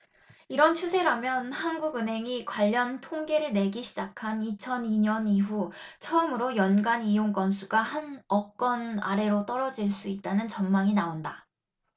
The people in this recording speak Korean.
이런 추세라면 한국은행이 관련통계를 내기 시작한 이천 이 년 이후 처음으로 연간 이용 건수가 한 억건 아래로 떨어질 수 있다는 전망이 나온다